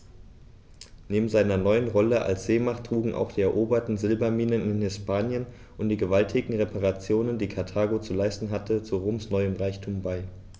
Neben seiner neuen Rolle als Seemacht trugen auch die eroberten Silberminen in Hispanien und die gewaltigen Reparationen, die Karthago zu leisten hatte, zu Roms neuem Reichtum bei.